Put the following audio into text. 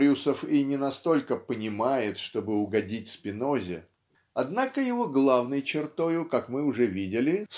Брюсов и не настолько "понимает" чтобы угодить Спинозе. Однако его главной чертою как мы уже видели